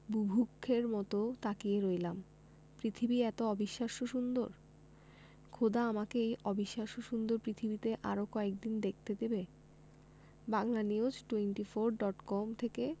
বুভুক্ষের মতো তাকিয়ে রইলাম পৃথিবী এতো অবিশ্বাস্য সুন্দর খোদা আমাকে এই অবিশ্বাস্য সুন্দর পৃথিবীটিকে আরো কয়দিন দেখতে দেবে বাংলানিউজ টোয়েন্টিফোর ডট কম থেকে